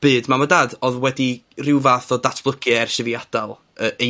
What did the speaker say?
byd mam a dad odd wedi ryw fath o datblygu ers i fi adael yy eu